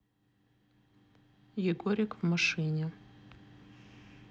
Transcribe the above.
егорик в машине